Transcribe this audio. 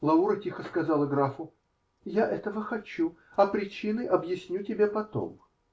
Лаура тихо сказала графу: -- Я этого хочу, а причины объясню тебе потом.